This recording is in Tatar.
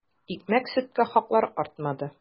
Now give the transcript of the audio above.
Икмәк-сөткә хаклар артмады.